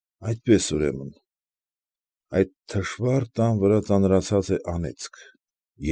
Այդպես, ուրեմն, այդ թշվառ տան վրա ծանրացած է անեծք։